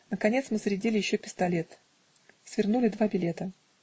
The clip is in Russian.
Наконец мы зарядили еще пистолет свернули два билета